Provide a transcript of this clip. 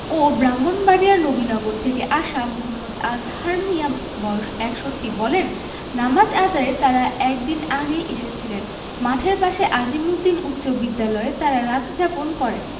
ও ব্রাহ্মণবাড়িয়ার নবীনগর থেকে আসা মো. আজহার মিয়া বয়স ৬১ বলেন নামাজ আদায়ে তাঁরা এক দিন আগেই এসেছিলেন মাঠের পাশে আজিমুদ্দিন উচ্চবিদ্যালয়ে তাঁরা রাত যাপন করেন